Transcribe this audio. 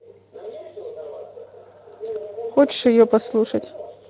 хочешь ее послушать